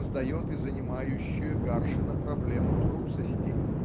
создает и занимающую Гаршина проблему трусости